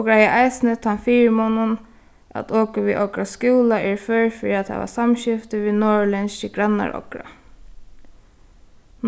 okur eiga eisini tann fyrimunin at okur við okra skúla eru før fyri at hava samskifti við norðurlendsku grannar okra